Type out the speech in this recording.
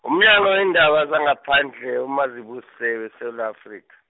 umnyango weendaba zangaphandle, uMazibuse, weSewula Afrika.